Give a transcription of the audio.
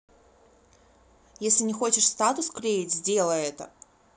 если не хочешь статус клеить сделай это